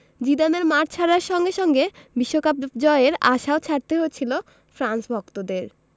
জিদানের মাঠ ছাড়ার সঙ্গে সঙ্গে বিশ্বকাপ জয়ের আশাও ছাড়তে হয়েছিল ফ্রান্স ভক্তদের